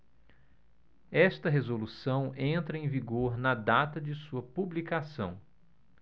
esta resolução entra em vigor na data de sua publicação